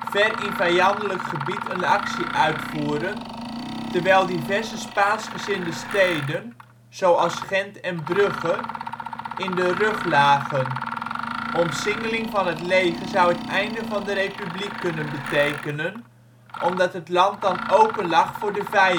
ver in vijandelijk gebied een actie uitvoeren terwijl diverse Spaansgezinde steden, zoals Gent en Brugge, in de rug lagen. Omsingeling van het leger zou het einde van de Republiek kunnen betekenen, omdat het land dan open lag voor de vijand. Een